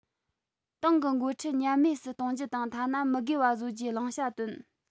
ཏང གི འགོ ཁྲིད ཉམས དམས སུ གཏོང རྒྱུ དང ཐ ན མི དགོས པ བཟོ རྒྱུའི བླང བྱ བཏོན